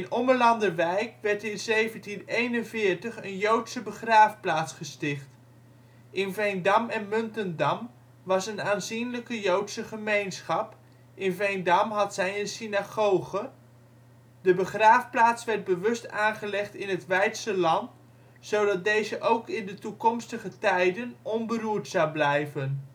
Ommelanderwijk werd in 1741 een joodse begraafplaats gesticht. In Veendam en Muntendam was een aanzienlijke joodse gemeenschap, in Veendam had zij een synagoge, de begraafplaats werd bewust aangelegd in het weidse land, zodat deze ook in toekomstige tijden onberoerd zou blijven